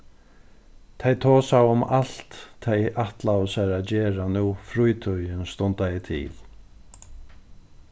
tey tosaðu um alt tey ætlaðu sær at gera nú frítíðin stundaði til